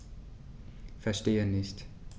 Verstehe nicht.